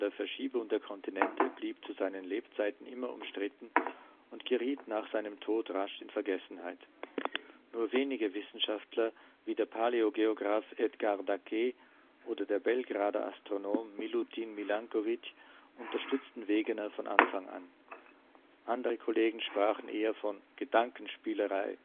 Verschiebung der Kontinente blieb zu seinen Lebzeiten immer umstritten und geriet nach seinem Tod rasch in Vergessenheit. Nur wenige Wissenschaftler, wie der Paläogeograph Edgar Dacqué, oder der Belgrader Astronom Milutin Milanković, unterstützten Wegener von Anfang an. Andere Kollegen sprachen eher von „ Gedankenspielerei